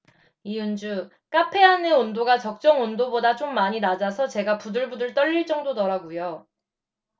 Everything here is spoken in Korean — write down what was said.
이은주 카페 안에 온도가 적정 온도보다 좀 많이 낮아서 제가 부들부들 떨릴 정도더라고요